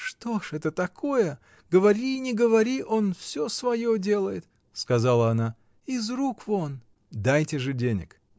— Что ж это такое, говори не говори, он всё свое делает! — сказала она, — из рук вон! — Дайте же денег.